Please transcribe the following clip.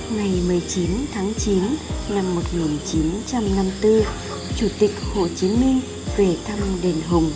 ngày tháng năm chủ tịch hồ chí minh về thăm đền hùng